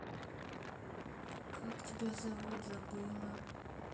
как тебя зовут забыла